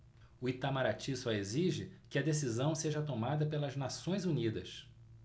o itamaraty só exige que a decisão seja tomada pelas nações unidas